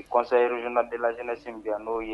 Kɔsan yinadelajɛnɛsin bi yan n'o ye